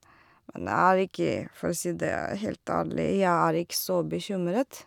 Men jeg er ikke for å si det helt ærlig, jeg er ikke så bekymret.